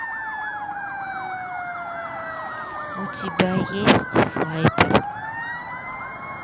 у тебя есть вайбер